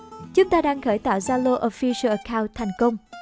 chúng ta đang khởi tạo zalo official account thành công